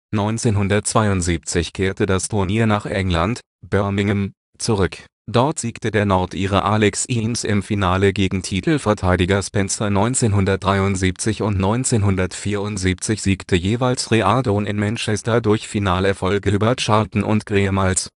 1972 kehrte das Turnier nach England (Birmingham) zurück. Dort siegte der Nordire Alex Higgins im Finale gegen Titelverteidiger Spencer. 1973 und 1974 siegte jeweils Reardon in Manchester durch Finalerfolge über Charlton und Graham Miles. Ein